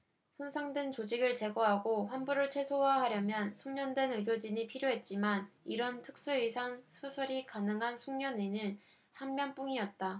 손상된 조직을 제거하고 환부를 최소화하려면 숙련된 의료진이 필요했지만 이런 특수외상 수술이 가능한 숙련의는 한 명뿐이었다